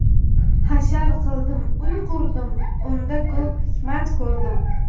hashar qildim uy qurdim unda ko'p hikmat ko'rdim